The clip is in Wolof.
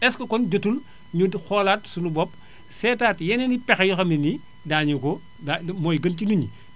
est ce que kon jotul énu xoolaat suénu bopp seetaat yeneen i pexe yoo xam ne nii daañu ko da mooy gën ci nit ñi